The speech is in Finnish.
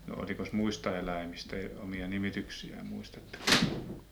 no olikos muista eläimistä omia nimityksiään muistatteko